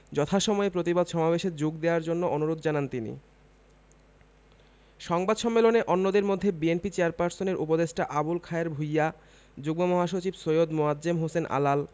যথাসময়ে প্রতিবাদ সমাবেশে যোগ দেয়ার জন্য অনুরোধ জানান তিনি সংবাদ সম্মেলনে অন্যদের মধ্যে বিএনপি চেয়ারপারসনের উপদেষ্টা আবুল খায়ের ভূইয়া যুগ্ম মহাসচিব সৈয়দ মোয়াজ্জেম হোসেন আলাল